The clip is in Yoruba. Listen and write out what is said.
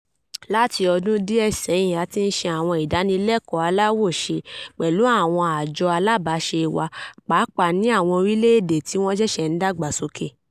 Láti ọdún díẹ̀ sẹ́yìn, a ti ń ṣe àwọn ìdánilẹ́kọ̀ọ́ aláwòṣe pẹ̀lú àwọn àjọ alábàáṣe wa, pàápàá ní àwọn orílẹ̀-èdè tí wọ́n sẹ̀sẹ̀ ń dàgbà sókè.